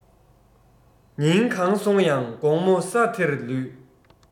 ཉིན གང སོང ཡང དགོང མོ ས དེར ལུས